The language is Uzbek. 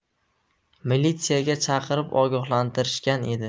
militsiyaga chaqirib ogohlantirishgan edi